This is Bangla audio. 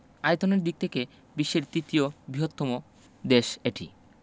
আয়তনের দিক থেকে বিশ্বের তিতীয় বৃহত্তম দেশ এটি